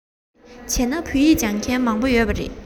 བྱས ན བོད ཡིག སྦྱོང མཁན མང པོ ཡོད པ རེད